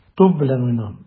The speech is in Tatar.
Туп белән уйна.